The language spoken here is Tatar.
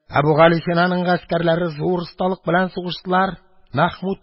Әбүгалисина гаскәрләре зур осталык белән сугыштылар.